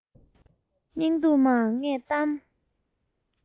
སྙིང སྡུག མ ངས གཏམ